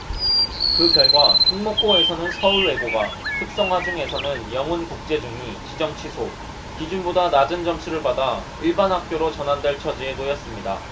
그 결과 특목고에서는 서울외고가 특성화중에서는 영훈국제중이 지정취소 기준보다 낮은 점수를 받아 일반학교로 전환될 처지에 놓였습니다